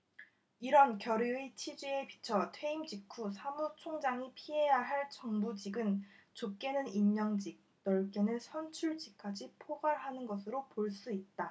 이런 결의의 취지에 비춰 퇴임 직후 사무총장이 피해야 할 정부직은 좁게는 임명직 넓게는 선출직까지 포괄하는 것으로 볼 수 있다